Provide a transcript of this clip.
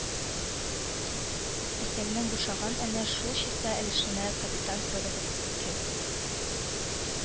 Өстәлнең бушаган әнә шул чиста өлешенә капитан Федотов ике